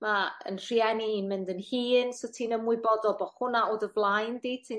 ma' 'yn rhieni i'n mynd yn hŷn so ti'n ymwybodol bo' hwnna o dy flaen 'di ti'n